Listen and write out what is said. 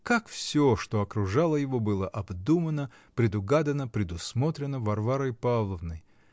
Как все, что окружало его, было обдумано, предугадано, предусмотрено Варварой Павловной!